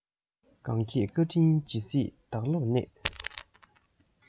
གང ཁྱེད བཀའ དྲིན ཇི སྲིད བདག བློར གནས